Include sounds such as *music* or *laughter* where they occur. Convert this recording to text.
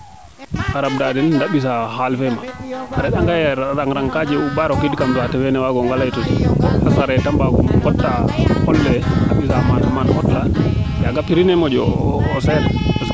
a rab daa den de mbisa xaal fee ne a re a ndge ye rang rang kaa jeg u baa rokiid kam saate fe ne waa goonga leyto ten a sareet a mbaago *unintelligible* ndaa qol le a mbisa maana maat auto le yaaga prix ne monjo o seer